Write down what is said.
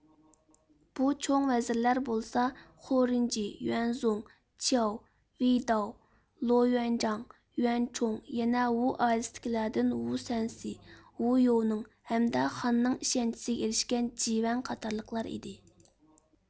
بۇ چوڭ ۋەزىرلەر بولسا خورېنجى يۇەنزۇڭ چياۋ ۋېيداۋ لو يۇەنجاڭ يۇەنچۇڭ يەنە ۋۇ ئائىلىسىدىكىلەردىن ۋۇ سەنسى ۋۇ يوۋنىڭ ھەمدە خاننىڭ ئىشەنچىسىگە ئېرىشكەن جى ۋەن قاتارلىقلار ئىدى